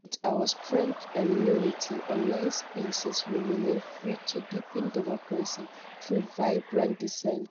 With our strength and unity, online spaces will remain free to deepen democracy through vibrant dissent.